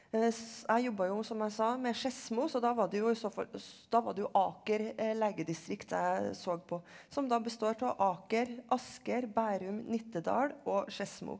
jeg jobba jo som jeg sa med Skedsmo så da var det jo i så fall da var det jo Aker legedistrikt jeg så på som da består av Aker Asker Bærum Nittedal og Skedsmo.